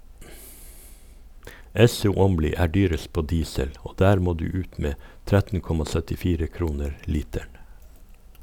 Esso Åmli er dyrest på diesel, og der må du ut med 13,74 kroner literen.